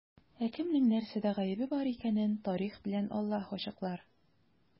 Ә кемнең нәрсәдә гаебе бар икәнен тарих белән Аллаһ ачыклар.